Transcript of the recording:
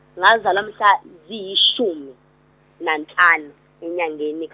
ngazalwa mhla ziyishumi nanhlanu enyangeni.